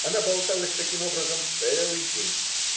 Она болталась таким образом целый день